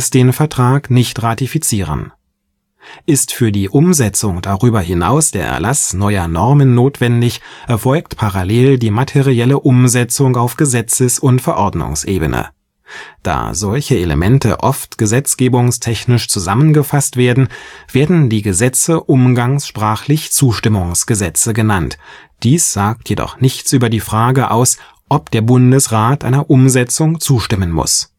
den Vertrag nicht ratifizieren (Art. 59 GG). Ist für die Umsetzung darüber hinaus der Erlass neuer Normen notwendig, erfolgt parallel die materielle Umsetzung auf Gesetzes - und Verordnungsebene. Da solche Elemente oft gesetzgebungstechnisch zusammengefasst werden, werden die Gesetze umgangssprachlich „ Zustimmungsgesetze “genannt, dies sagt jedoch nichts über die Frage aus, ob der Bundesrat einer Umsetzung zustimmen muss